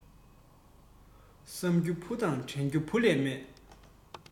བསམ རྒྱུ བུ དང དྲན རྒྱུ བུ ལས མེད